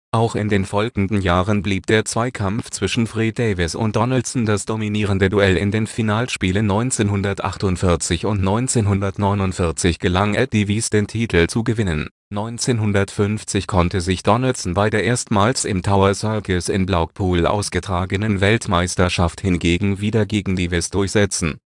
Auch in den folgenden Jahren blieb der Zweikampf zwischen Fred Davis und Donaldson das dominierende Duell in den Finalspielen. 1948 und 1949 gelang es Davis den Titel zu gewinnen; 1950 konnte sich Donaldson bei der erstmals im Tower Circus in Blackpool ausgetragenen Weltmeisterschaft hingegen wieder gegen Davis durchsetzen